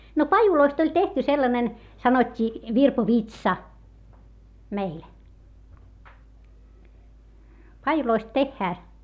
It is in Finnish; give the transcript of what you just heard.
no pajuista oli tehty sellainen sanottiin virpovitsa meillä pajuista tehdään